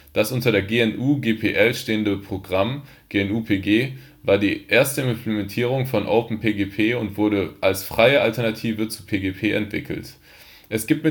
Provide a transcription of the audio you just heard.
Das unter der GNU-GPL stehende Programm GnuPG war die erste Implementierung von OpenPGP und wurde als freie Alternative zu PGP entwickelt. Es gibt mittlerweile